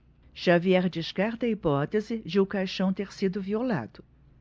xavier descarta a hipótese de o caixão ter sido violado